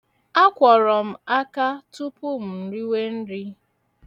Akwọrọ m aka tupu m riwe nri.